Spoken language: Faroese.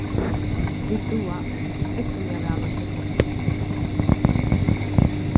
vit duga ógvuliga væl at snúgva okkum